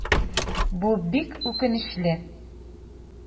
Бу бик үкенечле.